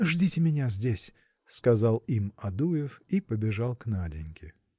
– Ждите меня здесь, – сказал им Адуев и побежал к Наденьке.